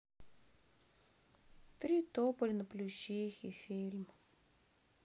три тополя на плющихе фильм